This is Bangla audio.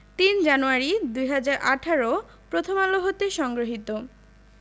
০৩ জানুয়ারি ২০১৮ প্রথম আলো হতে সংগৃহীত